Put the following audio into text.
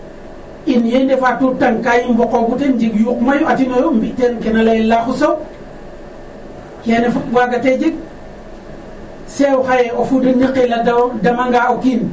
in ye i ndefa tutank ka i mboqkoogu ten njeg yook mayu atinooyo mbi' ten ke na layel laxu soow kene fop waagatee jeg seew xaye. O fud o niqiil a damanga o kiin